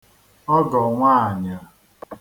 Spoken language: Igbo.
ọgọ nwaànyà